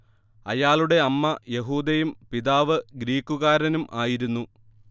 അയാളുടെ അമ്മ യഹൂദയും പിതാവ് ഗ്രീക്കുകാരനും ആയിരുന്നു